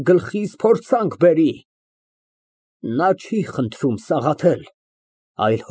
Առաստաղից քաշ արած ջահը տարածում է պայծառ լույս։ ՄԱՐԳԱՐԻՏ ֊ Բավական է։ (Դադարում է նվագել և դաշնամուրի կափարիչը ցած գցում։